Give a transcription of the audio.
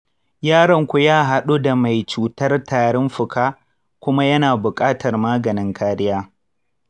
yaronku ya haɗu da mai cutar tarin fuka kuma yana buƙatar maganin kariya.